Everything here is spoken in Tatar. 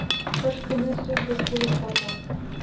Кыш көне су боз булып ката.